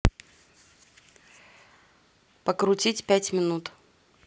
покрутить пять минут